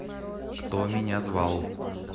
кто меня звал